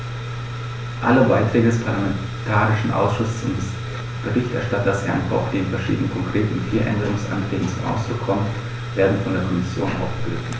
Alle Beiträge des parlamentarischen Ausschusses und des Berichterstatters, Herrn Koch, die in verschiedenen, konkret in vier, Änderungsanträgen zum Ausdruck kommen, werden von der Kommission aufgegriffen.